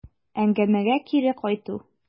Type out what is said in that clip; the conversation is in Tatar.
Әңгәмәгә кире кайту.